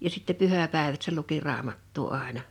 ja sitten pyhäpäivät se luki raamattua aina